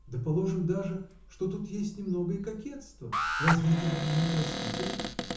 Да положим даже, что тут есть немного и кокетства разве это не простительно?